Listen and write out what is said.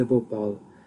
y bobol